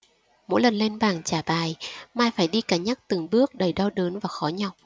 mỗi lần lên bảng trả bài mai phải đi cà nhắc từng bước đầy đau đớn và khó nhọc